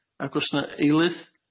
Ac o's 'na eilydd?